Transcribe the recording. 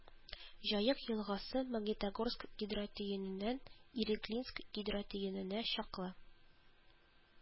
Җаек елгасы, Магнитогорск гидротөененнән Ириклинск гидротөененә чаклы